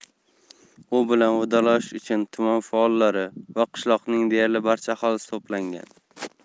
u bilan vidolashish uchun tuman faollari va qishloqning deyarli barcha aholisi to'plangan